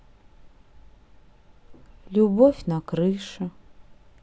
любовь на крыше